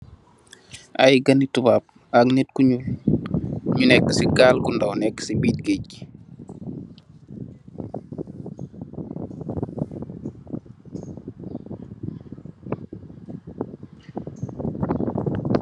Ay ganni tubab ak nit ku ñuul, ñu nekka ci gàl gu ndaw nekka ci biir gaaj gi.